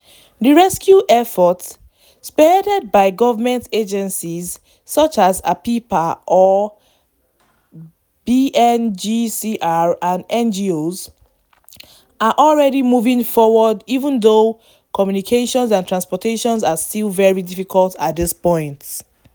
The rescue effort, spearheaded by government agencies such as Apipa or BNGCR and NGOs, are already moving forward even though communication and transportation are still very difficult at this point.